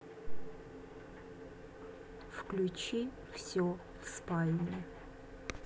включи все в спальне